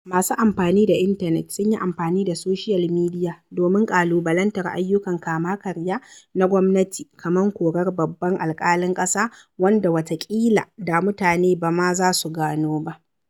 Masu amfani da intanet sun yi amfani da soshiyal midiya domin ƙalubalantar ayyukan kama-karya na gwamnati kamar korar babban alƙalin ƙasa, wanda wataƙila da mutane ba ma za su gano ba.